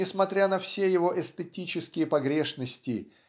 несмотря на все его эстетические погрешности